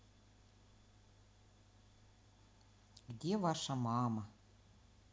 где ваша мама